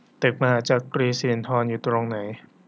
ตึกมหาจักรีสิรินธรอยู่ตรงไหน